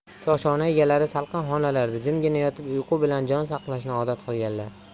koshona egalari salqin xonalarda jimgina yotib uyqu bilan jon saqlashni odat qilganlar